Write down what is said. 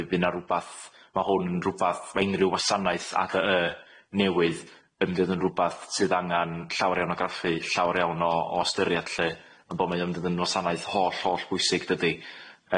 By' fy' na rwbath ma' hwn rwbath ma' unryw wasanaeth a dy y newydd yn mynd i fod yn rwbath sydd angan llawer iawn o graffu llawar iawn o o ystyried lly on' bo' mauo'n mynd i fod yn wasanauth holl holl bwysig dydi?